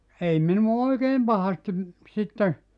ei minua oikein pahasti sitten